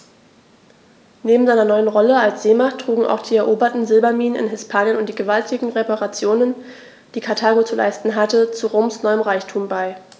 Neben seiner neuen Rolle als Seemacht trugen auch die eroberten Silberminen in Hispanien und die gewaltigen Reparationen, die Karthago zu leisten hatte, zu Roms neuem Reichtum bei.